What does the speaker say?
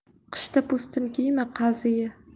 qishda po'stin kiyma qazi ye